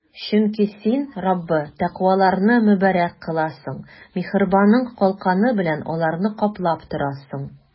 Чөнки Син, Раббы, тәкъваларны мөбарәк кыласың, миһербаның калканы белән аларны каплап торасың.